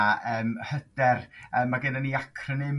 a yym hyder yy ma' gyno ni acronym